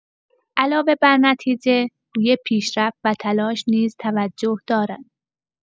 علاوه بر نتیجه، روی پیشرفت و تلاش نیز توجه دارد.